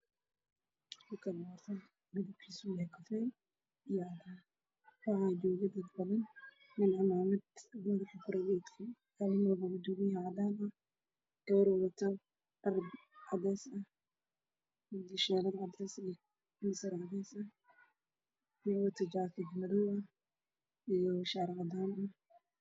Meshan waa meel hool ah waxaa fadhiya dad badan ninka usoo horeyo waxa uu wataa suud madow